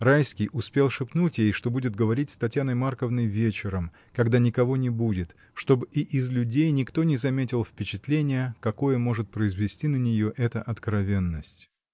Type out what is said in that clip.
Райский успел шепнуть ей, что будет говорить с Татьяной Марковной вечером, когда никого не будет, чтоб и из людей никто не заметил впечатления, какое может произвести на нее эта откровенность.